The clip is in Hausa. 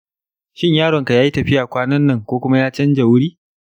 shin yaronka ya yi tafiya kwanan nan ko kuma ya canza wuri?